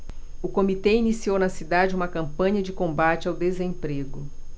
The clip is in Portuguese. o comitê iniciou na cidade uma campanha de combate ao desemprego